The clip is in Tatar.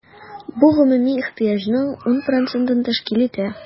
Бу гомуми ихтыяҗның 10 процентын тәшкил итә.